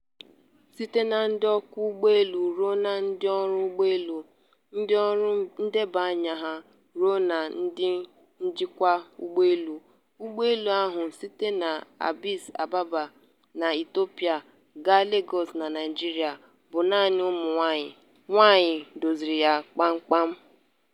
Site na ndị ọkwọ ụgbọelu ruo na ndịọrụ ụgbọelu, ndịọrụ ndebanye aha ruo na ndị njikwa ụgbọelu, ụgbọelu ahụ — site na Addis Ababa na Ethiopia gaa Lagos na Naịjirịa — bụ naanị ụmụnwaanyị (nwaanyị) duziri ya kpamkpam.